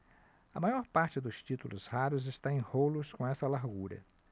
a maior parte dos títulos raros está em rolos com essa largura